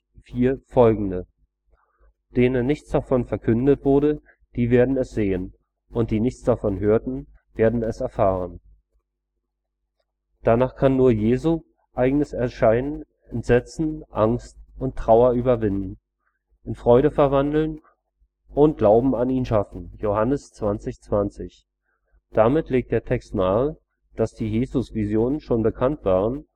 Jes 53,4f EU): „ Denen nichts davon verkündet wurde, die werden es sehen, und die nichts davon hörten, werden es erfahren! “Danach kann nur Jesu eigenes Erscheinen Entsetzen, Angst und Trauer überwinden, in Freude verwandeln (Mt 28,8 EU) und Glauben an ihn schaffen (Joh 20,20 EU). Damit legt der Text nahe, dass die Jesusvisionen schon bekannt waren